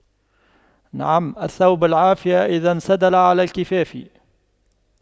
نعم الثوب العافية إذا انسدل على الكفاف